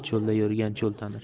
cho'lda yurgan cho'l tanir